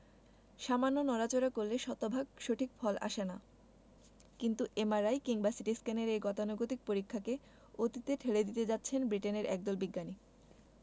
সামান্য নড়াচড়া করলে শতভাগ সঠিক ফল আসে না কিন্তু এমআরআই কিংবা সিটিস্ক্যানের এই গতানুগতিক পরীক্ষাকে অতীতে ঠেলে দিতে যাচ্ছেন ব্রিটেনের একদল বিজ্ঞানী